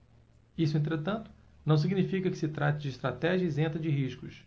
isso entretanto não significa que se trate de estratégia isenta de riscos